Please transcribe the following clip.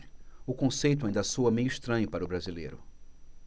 o conceito ainda soa meio estranho para o brasileiro